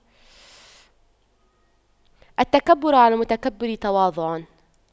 التكبر على المتكبر تواضع